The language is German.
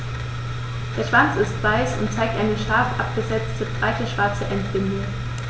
Der Schwanz ist weiß und zeigt eine scharf abgesetzte, breite schwarze Endbinde.